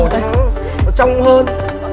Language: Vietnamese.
trong hơn